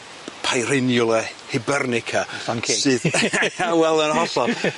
peirinula hybernica. Yn llon' ceg. Sydd... Ia wel yn hollol.